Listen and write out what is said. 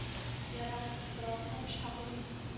Ярар, соравыңны бушка куймыйм